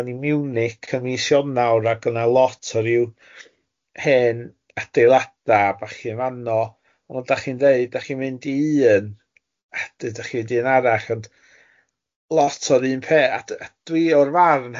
o ni n Munich mis Ionawr ag odd na lot o rhyw hen adeilada a ballu'n fano a fel da chi'n deud da chin mynd i un a da chin mynd i un arall a a lot o run peth a dwi o'r farn